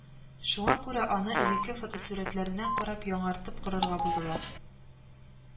Шуңа күрә аны, элекке фотосурәтләренә карап, яңартып корырга булдылар